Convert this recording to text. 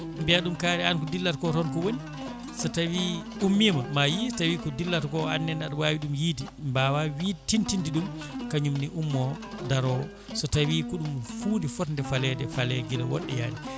mbiya ɗum kaari an ko dilla ko toon ko woni so tawi ummima ma yii so tawi ko dillata ko annene aɗa wawi ɗum yiide mbawa wiide tintinde ɗum kañumne ummo daaro so tawi ko ɗum hunde fonde faalede faale guila woɗɗoyani